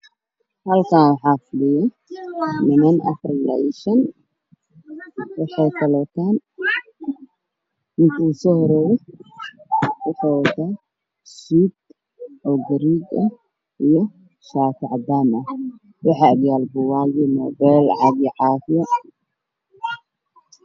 Halkaan waxaa fadhiyo niman afar ilaa shan ah. Ninka ugu soo horeeyo waxuu wataa suud buluug ah iyo shaati cadaan ah. Waxaa agyaalo buug cadaan ah, muubeel iyo caago caafi ah.